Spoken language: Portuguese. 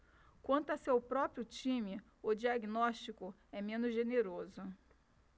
quanto ao seu próprio time o diagnóstico é menos generoso